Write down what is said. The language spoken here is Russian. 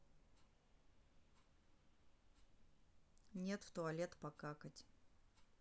нет в туалет покакать